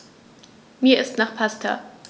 Mir ist nach Pasta.